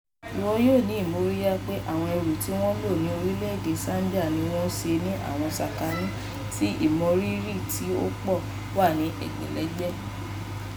Ìwọ yóò ní ìmòrìyá pé àwọn ẹrù tí wọ́n lò ní orílẹ̀ èdè Zambia ni wọ́n ṣe ní àwọn sàkání tí ìmọrírì, tí ó pọ̀, wà ní ẹgbẹ̀lẹ́gbẹ̀.